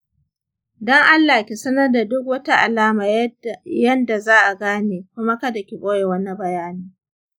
don allah ki sanar da duk wata alama yanda za'a gane kuma kada ki ɓoye wani bayani.